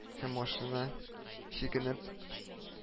Һәм машина чигенеп